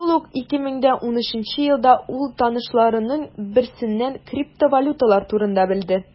Шул ук 2013 елда ул танышларының берсеннән криптовалюталар турында белде.